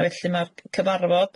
A felly ma'r c- cyfarfod